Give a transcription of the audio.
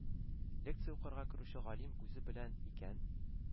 Лекция укырга керүче галим үзе беләме икән